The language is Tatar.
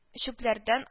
Чүпләрдән